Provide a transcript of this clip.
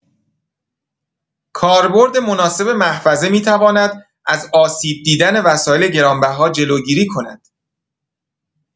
کاربرد مناسب محفظه می‌تواند از آسیب دیدن وسایل گران‌بها جلوگیری کند.